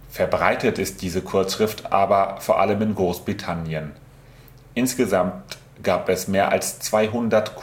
verbreitet ist diese Kurzschrift aber vor allem in Großbritannien. Insgesamt gab es mehr als 200